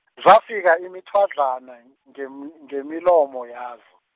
zafika imithwadlana, ngem- ngemilomo yazo.